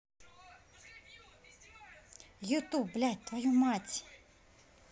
youtube блядь твою мать